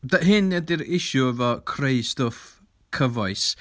D- hyn ydy'r issue efo creu stwff cyfoes.